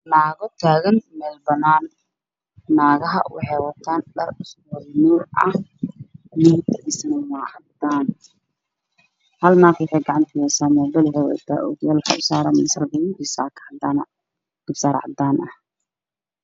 Naago taagan meel banaan waxay wataa dhar cusayb oo isku nooc ah midab kiisana waa cadaan hal naag waxay gacanta ku haysaa moobeel waxay wadataa oo kiyaalo waxaa u saaran masar buluug ah iyo garbisaar cadaan ah